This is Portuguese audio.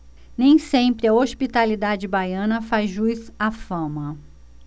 nem sempre a hospitalidade baiana faz jus à fama